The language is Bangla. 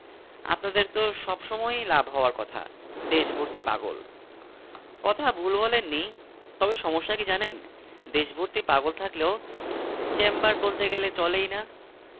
আপনাদের তো সব সময়ই লাভ হওয়ার কথা দেশভর্তি পাগল কথা ভুল বলেননি তবে সমস্যা কি জানেন দেশভর্তি পাগল থাকলেও চেম্বার বলতে গেলে চলেই না